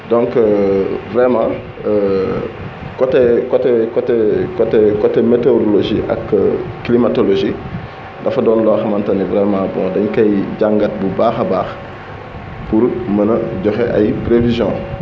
donc vraiment côté côté côté côté côté météorologie ak climatologie dafa doon loo xamante ne vraiment bon dañu kaoy jàngat bu baax a baax pour mën a joxe ay prévisions